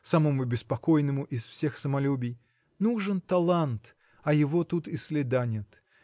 самому беспокойному из всех самолюбий – нужен талант а его тут и следа нет.